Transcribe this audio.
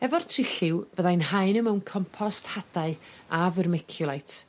Efo'r trilliw fyddai'n hau n'w mewn compost hadau a vermiculite